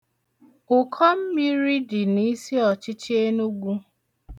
Ụkọ mmiri dị n'isiọchịchị Enugwu.